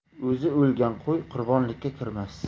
o'zi o'lgan qo'y qurbonlikka kirmas